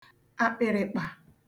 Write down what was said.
àkpị̀rị̀kpà